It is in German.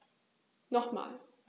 Nochmal.